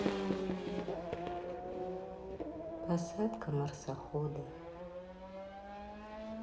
посадка марсохода